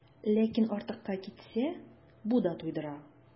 Ләкин артыкка китсә, бу да туйдыра.